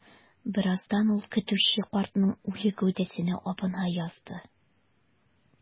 Бераздан ул көтүче картның үле гәүдәсенә абына язды.